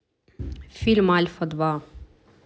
фильм альфа два